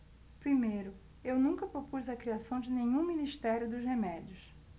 primeiro eu nunca propus a criação de nenhum ministério dos remédios